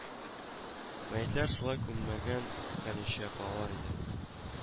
Мәетләр шулай күмелмәгән хәленчә калалар иде